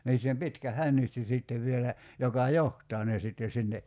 niissä on pitkä hännystin sitten vielä joka johtaa ne sitten sinne